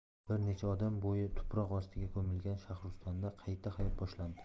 bir necha odam bo'yi tuproq ostiga ko'milgan shaharustida qayta hayot boshlandi